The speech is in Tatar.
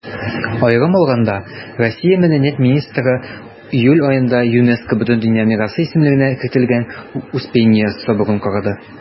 Аерым алганда, Россия Мәдәният министры июль аенда ЮНЕСКО Бөтендөнья мирасы исемлегенә кертелгән Успенья соборын карады.